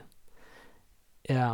Ja.